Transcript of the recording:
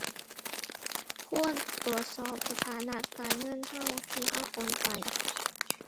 ควรตรวจสอบสถานะการเงินเรา ที่เราโอนไป